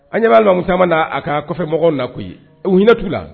An ɲɛ bɛ alimam caman n'a ka kɔfɛmɔgɔw na koyi, U hinɛ t'u la.